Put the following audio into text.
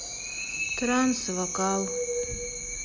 транс вокал